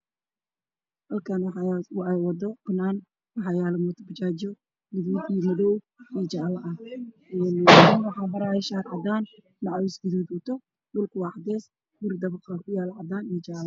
Halkaan waa wado banaan ah waxaa maraayo mooto bajaaj gaduud, madow iyo jaale ah, nin waxaa maraayo wato shaar cadaan ah iyo macawis gaduudan, dhulka waa cadeys, guri dabaq ah ayaa kuyaalo oo cadaan iyo jaale ah.